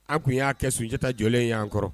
An tun y'a kɛ sunjatadita jɔlen y'an kɔrɔ